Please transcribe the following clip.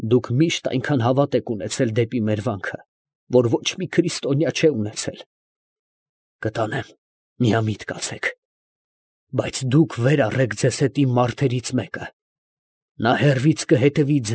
Դուք միշտ այնքան հավատ եք ունեցել դեպի մեր վանքը, որ ոչ մի քրիստոնյա չէ ունեցել։ ֊ Կտանեմ, միամիտ կացեք, ֊ պատասխանեց քուրդը։ ֊ Բայց դուք վեր առեք ձեզ հետ իմ մարդերից մեկը. նա հեռվից կհետևի։